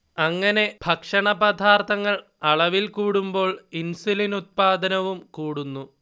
അങ്ങനെ ഭക്ഷണപദാർഥങ്ങൾ അളവിൽ കൂടുമ്പോൾ ഇൻസുലിൻ ഉത്പാദനവും കൂടുന്നു